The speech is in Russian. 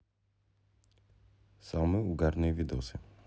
самые угарные видосы